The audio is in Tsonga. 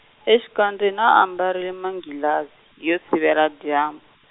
exikandzeni a ambarile manghilazi, yo sivela dyam-.